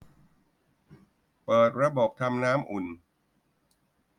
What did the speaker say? เปิดระบบทำน้ำอุ่น